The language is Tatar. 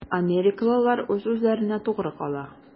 Америкалылар үз-үзләренә тугры кала.